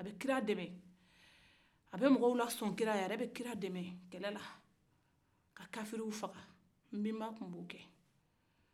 a bɛ kira dɛmɛn a bɛ mɔgɔw la sɔn kira ye a yɛrɛ bɛ kira dɛmɛ kɛlɛ la ka kafriw faga a kun bo kɛ